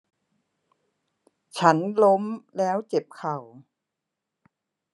ฉันล้มแล้วเจ็บเข่า